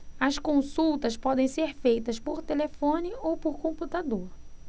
as consultas podem ser feitas por telefone ou por computador